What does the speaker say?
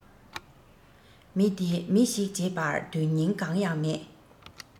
མི འདི མི ཞིག བྱེད པར དོན རྙིང གང ཡང མེད